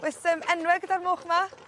Oes yym enwe gyda'r moch yma?